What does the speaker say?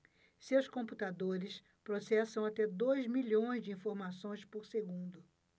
seus computadores processam até dois milhões de informações por segundo